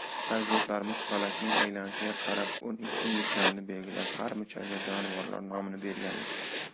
ajdodlarimiz falakning aylanishiga qarab o'n ikki muchalni belgilab har muchalga jonivorlar nomini berganlar